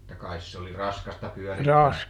mutta kai se oli raskasta pyörittää